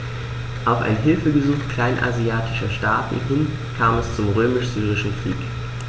Auf ein Hilfegesuch kleinasiatischer Staaten hin kam es zum Römisch-Syrischen Krieg.